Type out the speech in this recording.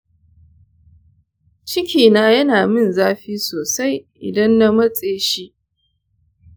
cikina yana min zafi sosai idan na matse shi.